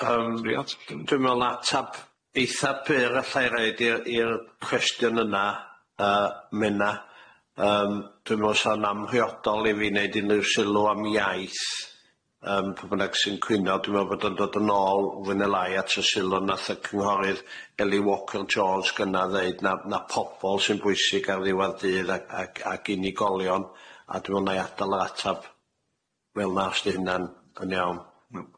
Yym dwi me'wl atab eitha byr allai roid i'r i'r cwestiwn yna yy Menna yym dwi me'wl sa'n amhriodol i fi neud unrhyw sylw am iaith yym pw bynnag sy'n cwyno dwi me'wl bod o'n dod yn ôl fwy ne lai at y sylw nath y cynghorydd Ellie Wokyl George gynna ddeud na na pobol sy'n bwysig ar ddiwadd dydd ag ag ag unigolion a dwi me'wl na'i adal yr atab wel na os dy hunan yn iawn.